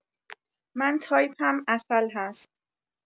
من تایپم عسل هست